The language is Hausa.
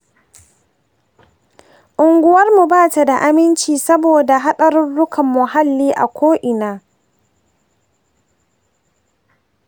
unguwarmu ba ta da aminci saboda haɗarurrukan muhalli a ko ina.